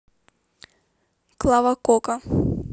клава кока